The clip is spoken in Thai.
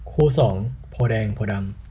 คู่สองโพธิ์แดงโพธิ์ดำ